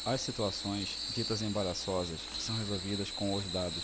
as situações ditas embaraçosas são resolvidas com os dados